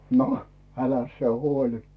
no äläs sinä huoli